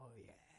O ie.